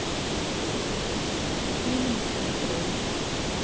фильм контроль